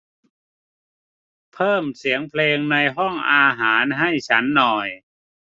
เพิ่มเสียงเพลงในห้องอาหารให้ฉันหน่อย